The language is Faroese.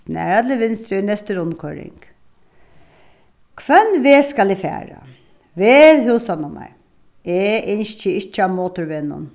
snara til vinstri í næsti rundkoyring hvønn veg skal eg fara vel húsanummar eg ynski ikki á motorvegnum